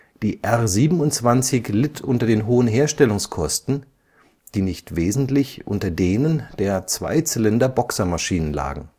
Die R 27 litt unter den hohen Herstellungskosten, die nicht wesentlich unter denen der Zweizylinder-Boxermaschinen lagen